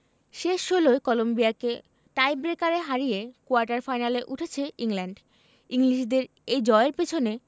শেষ ষোলোয় কলম্বিয়াকে টাইব্রেকারে হারিয়ে কোয়ার্টার ফাইনালে উঠেছে ইংল্যান্ড ইংলিশদের এই জয়ের পেছনে